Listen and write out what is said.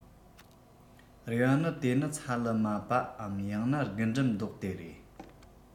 རེ བ ནི དེ ནི ཚ ལུ མ པའམ ཡང ན རྒུན འབྲུམ མདོག དེ རེད